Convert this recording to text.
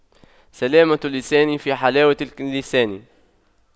سلامة الإنسان في حلاوة اللسان